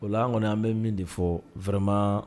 Ola an kɔni an bɛ min de fɔ vma